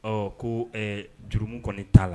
Ko jurum kɔni t'a la